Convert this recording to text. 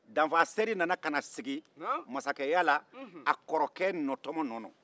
danfasɛri nana ka na sigi masakɛya la a kɔrɔkɛ nɔtɔmɔ nɔ na